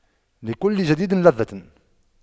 لكل جديد لذة